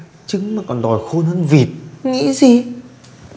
trứng mà còn đòi khôn hơn vịt nghĩ gì